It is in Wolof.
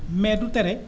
mais du tere